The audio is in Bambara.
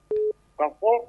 Ko aw ko